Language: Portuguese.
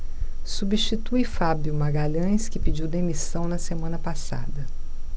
substitui fábio magalhães que pediu demissão na semana passada